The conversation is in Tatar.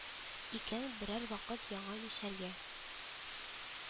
Икән, берәр вакыт яңа мишәргә